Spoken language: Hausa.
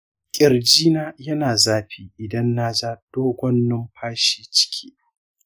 ƙirji na yana zafi idan na ja dogon numfashi ciki